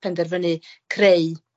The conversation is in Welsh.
penderfynu creu